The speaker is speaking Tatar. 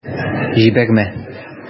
Җибәрмә...